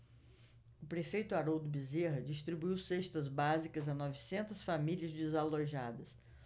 o prefeito haroldo bezerra distribuiu cestas básicas a novecentas famílias desalojadas